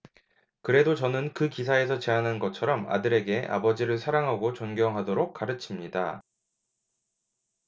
그래도 저는 그 기사에서 제안한 것처럼 아들에게 아버지를 사랑하고 존경하도록 가르칩니다